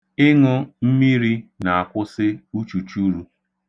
Ịṅụ mmiri na-akwụsị uchuchuru.